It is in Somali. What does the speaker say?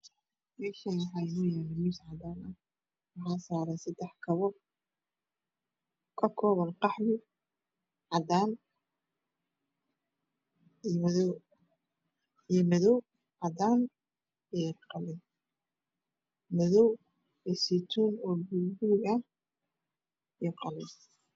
Meshanwaxaa inoo yaalo miis cadaan ah waxaa saran sadax kapo ka koopan cadaan madow iyo qalin zaytuun iyo puluug